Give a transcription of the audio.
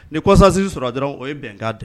Ni consensus sɔrɔ la dɔrɔn, o ye bɛnkan de ye.